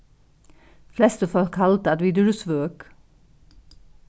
flestu fólk halda at vit eru svøk